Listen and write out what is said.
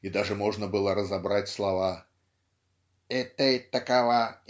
и даже можно было разобрать слова "И ты такова!